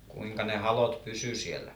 kuinka ne halot pysyi siellä